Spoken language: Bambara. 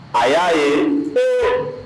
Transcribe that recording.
A y'a ye ee